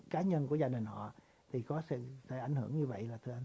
cá nhân của gia đình họ thì có thể ảnh hưởng như vậy là thưa anh